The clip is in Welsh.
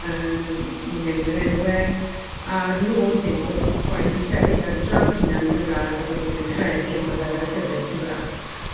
Yym newid yr enwe a'r nod yw bod y s- gwaith yn sefyll ar 'i drad 'i hunan yn Gymra'g, a bo' rywun yn credu ynddo fe fel llyfyr Cymra'g.